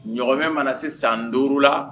Ɲɔgɔnmɛ mana se san duuru la